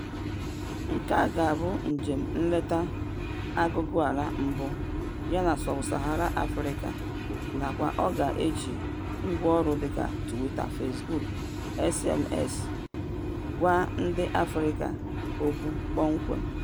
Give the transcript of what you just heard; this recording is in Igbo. Nke a ga-abụ njem nleta aguguala mbụ ya na Sub-Saharan Africa nakwa ọ ga-eji ngwaọrụ dịka Twitter, Facebook na SMS gwa ndị Afrịka okwu kpọmkwem.